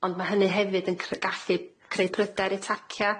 Ond ma' hynny hefyd yn cre- gallu creu pryder i tacia.